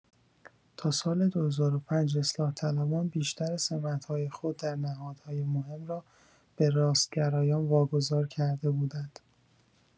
تا سال ۲۰۰۵ اصلاح‌طلبان بیشتر سمت‌های خود در نهادهای مهم به راستگرایان واگذار کرده بودند.